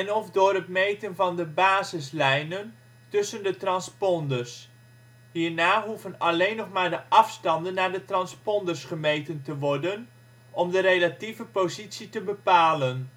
of door het meten van de basislijnen tussen de transponders. Hierna hoeven alleen nog maar de afstanden naar de transponders gemeten te worden om de relatieve positie te bepalen